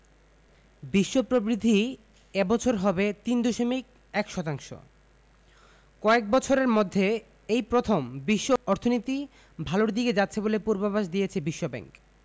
বিশ্ব প্রবৃদ্ধি এ বছর হবে ৩.১ শতাংশ কয়েক বছরের মধ্যে এই প্রথম বিশ্ব অর্থনীতি ভালোর দিকে যাচ্ছে বলে পূর্বাভাস দিয়েছে বিশ্বব্যাংক